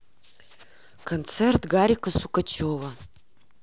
концерт гарика сукачева